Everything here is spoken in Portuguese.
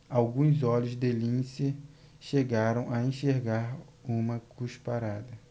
alguns olhos de lince chegaram a enxergar uma cusparada